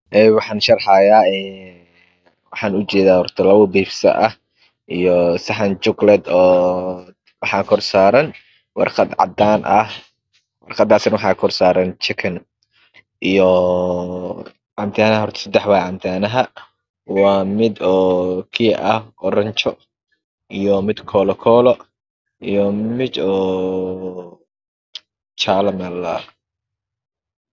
Ee waxaan sharxayaa waxana u jeeda labo biinsa ah iyo saxan jukuleed waxaa kor saran warqad cadan ah warqadasina waxa kor saaran jikin iyo cabitan saddex cabitanaha waa mid ah oranjo iyo mid kolakoola iyo mid oo jaalo Maa ladhahaa